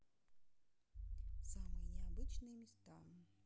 самые необычные места